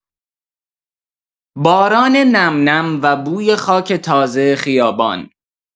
باران نم‌نم و بوی خاک تازه خیابان